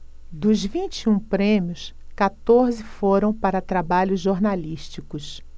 dos vinte e um prêmios quatorze foram para trabalhos jornalísticos